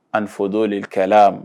An fɔ dɔw de bɛkɛla